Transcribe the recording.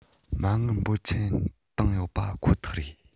མ དངུལ འབོར ཆེན བཏང ཡོད པ ཁོ ཐག རེད